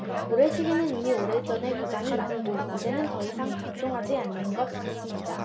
모래시계는 이미 오래 전에 고장이 났고 이제는 더 이상 작동하지 않는 것 같습니다